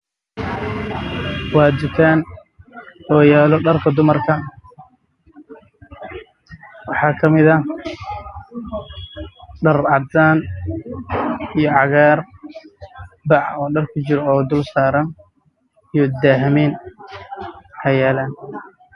Waa dukaan oo yaalo dharka dumarka